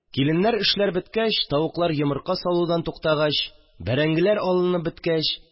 Киленнәр, эшләр беткәч, тавыклар йомырка салудан туктагач, бәрәңгеләр алынып беткәч